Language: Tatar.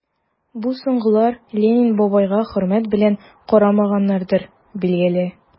Бу соңгылар Ленин бабайга хөрмәт белән карамаганнардыр, билгеле...